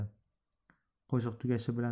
qo'shiq tugashi bilan